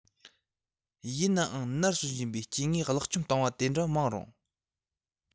ཡིན ནའང ནར སོན བཞིན པའི སྐྱེ དངོས བརླག བཅོམ བཏང བ དེ འདྲ མང རུང